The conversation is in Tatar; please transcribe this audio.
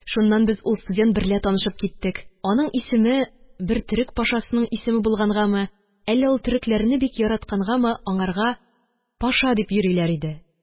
Шуннан без ул студент берлә танышып киттек. Аның исеме бер төрек пашасының исеме булгангамы, әллә ул төрекләрне бик яраткангамы, аңарга Паша дип йөриләр иде